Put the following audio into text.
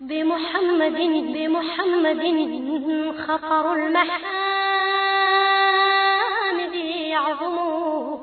Denmuunɛsonin den jiginla yo